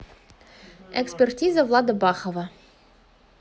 экспертиза влада бахова